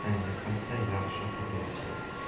yomon otdan yiqilsa yaxshi hudaychi